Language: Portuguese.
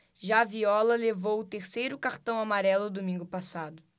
já viola levou o terceiro cartão amarelo domingo passado